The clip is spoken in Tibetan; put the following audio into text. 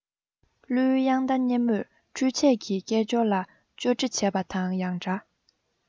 གླུའི དབྱངས རྟ སྙན མོས འཕྲུལ ཆས ཀྱི སྐད ཅོར ལ ཅོ འདྲི བྱེད པ དང ཡང འདྲ